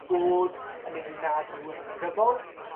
Bad yn mynd i nad yw yn y negyddol.